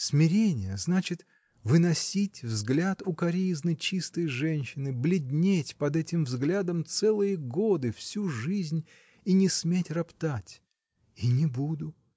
Смирение значит — выносить взгляд укоризны чистой женщины, бледнеть под этим взглядом целые годы, всю жизнь, и не сметь роптать. И не буду!